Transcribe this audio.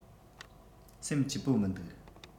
སེམས སྐྱིད པོ མི འདུག